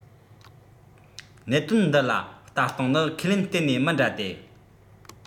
གནད དོན འདི ལ ལྟ སྟངས ནི ཁས ལེན གཏན ནས མི འདྲ སྟེ